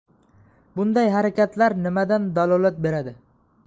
bunday harakatlar nimadan dalolat beradi